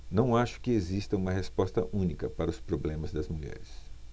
não acho que exista uma resposta única para os problemas das mulheres